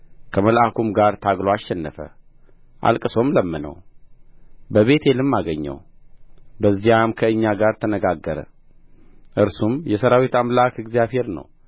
ከመልአኩም ጋር ታግሎ አሸነፈ አልቅሶም ለመነው በቤቴልም አገኘው በዚያም ከእኛ ጋር ተነጋገረ እርሱም የሠራዊት አምላክ እግዚአብሔር ነው